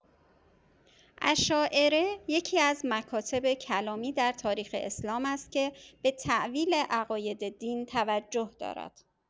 اشاعره یکی‌از مکاتب کلامی در تاریخ اسلام است که به تاویل عقاید دین توجه دارد.